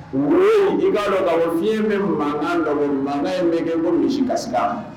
I b'a dɔn ka fiɲɛi bɛ mankan nka mankan in bɛ kɛ ko misi gasira